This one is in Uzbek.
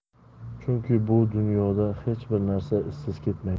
chunki bu dunyoda hech bir narsa izsiz ketmaydi